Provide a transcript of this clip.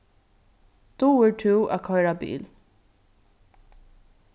dugir tú at koyra bil